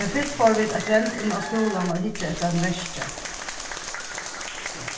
men fyrst fóru vit eitt rend inn á skúlan at hyggja eftir einum verki